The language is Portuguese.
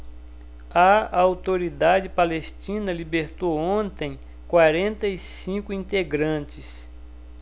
a autoridade palestina libertou ontem quarenta e cinco integrantes